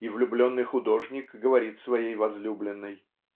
И влюбленный художник говорит своей возлюбленной